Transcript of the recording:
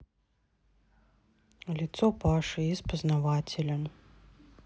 лицо паши из познавателя